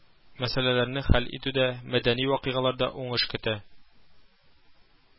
Мәсьәләләрне хәл итүдә, мәдәни вакыйгаларда уңыш көтә